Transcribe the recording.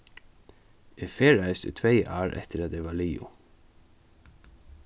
eg ferðaðist í tvey ár eftir at eg varð liðug